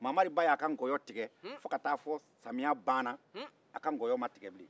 mamari ba y'a ka nkɔyɔ tigɛ fo ka taa fɔ samiya banna a ka nkɔyɔ ma tigɛ bilen